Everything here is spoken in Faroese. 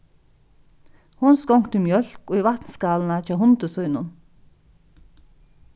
hon skonkti mjólk í vatnskálina hjá hundi sínum